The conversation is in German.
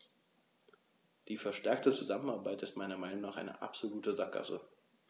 Die verstärkte Zusammenarbeit ist meiner Meinung nach eine absolute Sackgasse.